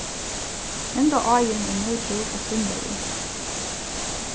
henda áin er nóg djúp at svimja í